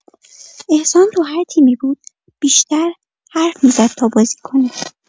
احسان تو هر تیمی بود، بیشتر حرف می‌زد تا بازی کنه.